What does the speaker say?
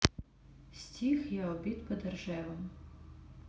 стих я убит подо ржевом